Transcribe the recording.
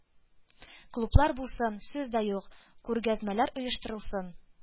Клублар булсын, сүз дә юк, күргәзмәләр оештырылсын,